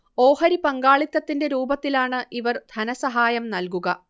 ഓഹരി പങ്കാളിത്തത്തിന്റെ രൂപത്തിലാണ് ഇവർ ധനസഹായം നൽകുക